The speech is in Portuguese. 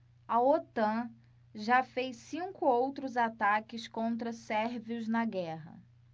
a otan já fez cinco outros ataques contra sérvios na guerra